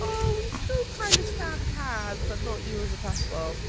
Oh, we still kind of stan Kaz, but not you as a couple.